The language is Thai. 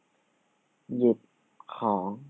หยิบของ